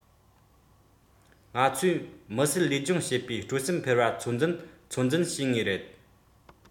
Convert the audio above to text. ང ཚོས མི སེར ལུས སྦྱོང བྱེད པའི སྤྲོ སེམས འཕེལ བ ཚོད འཛིན ཚོད འཛིན བྱེད ངེས རེད